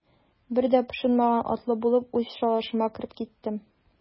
Бер дә пошынмаган атлы булып, үз шалашыма кереп киттем.